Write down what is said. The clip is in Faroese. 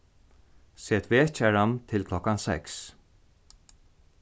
set vekjaran til klokkan seks